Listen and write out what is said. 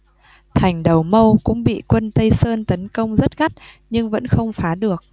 thành đầu mâu cũng bị quân tây sơn tấn công rất gắt nhưng vẫn không phá được